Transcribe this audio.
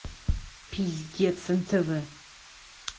пиздец нтв